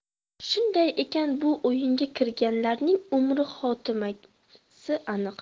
shunday ekan bu o'yinga kirganlarning umri xotimasi aniq